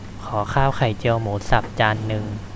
ขอข้าวไข่เจียวหมูสับจานนึง